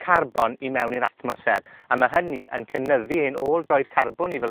carbon i mewn i'r atmosffer, a ma' hynny yn cynyddu ein ôl-droed carbwn ni fel